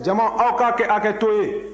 jama aw k'a kɛ hakɛto ye